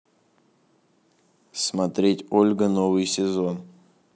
смотреть ольга новый сезон